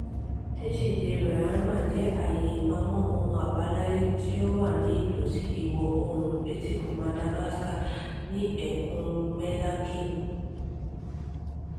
Tsingy de Bemaraha jẹ́ àyè ìpamọ́ ohun àbáláyé tí ó wà ní ìtòsí ìwọ̀-oòrùn etíkun Madagascar ní Ẹkùn Melaky.